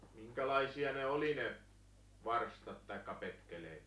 minkälaisia ne oli ne varstat tai petkeleet